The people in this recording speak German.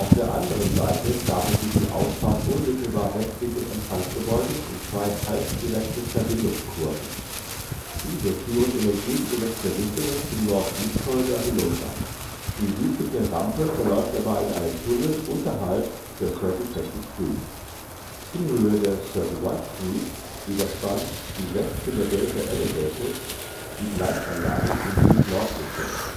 der anderen Seite gabelt sich die Ausfahrt unmittelbar westlich des Empfangsgebäudes in zwei halbdirekte Verbindungskurven. Diese führen in entgegengesetzte Richtungen zum Northeast Corridor hinunter. Die südliche Rampe verläuft dabei in einem Tunnel unterhalb der 32nd Street. In Höhe der 31st Street überspannt die West Philadelphia Elevated die Gleisanlagen in Süd-Nord-Richtung